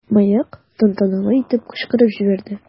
"мыек" тантаналы итеп кычкырып җибәрде.